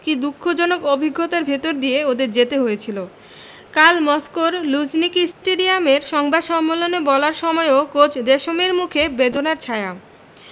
কী দুঃখজনক অভিজ্ঞতার ভেতর দিয়ে ওদের যেতে হয়েছিল কাল মস্কোর লুঝনিকি স্টেডিয়ামের সংবাদ সম্মেলনে বলার সময়ও কোচ দেশমের মুখে বেদনার ছায়া